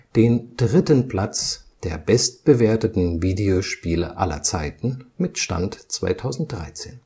den dritten Platz der bestbewerteten Videospiele aller Zeiten (Stand 2013